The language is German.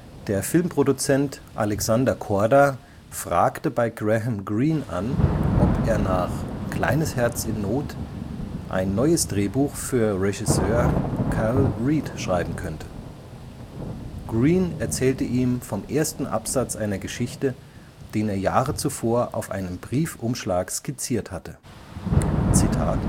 Der Filmproduzent Alexander Korda fragte bei Graham Greene an, ob er nach Kleines Herz in Not (Originaltitel: The Fallen Idol, 1948) ein neues Drehbuch für Regisseur Carol Reed schreiben könne. Greene erzählte ihm vom ersten Absatz einer Geschichte, den er Jahre zuvor auf einem Briefumschlag skizziert hatte: „ Vor